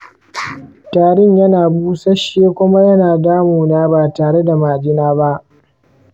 tarin yana busasshe kuma yana damuna ba tare da majina ba.